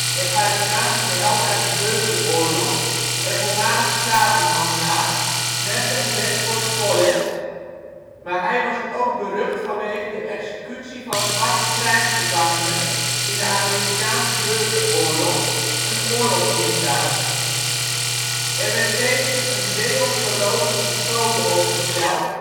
en charismatische held uit burgeroorlog - en voormalig slavenhandelaar - Nathan Bedford Forrest. Maar hij was ook berucht vanwege de executie van zwarte krijgsgevangenen in de Amerikaanse Burgeroorlog, een oorlogsmisdaad. Er werd tevens een deontologische code opgesteld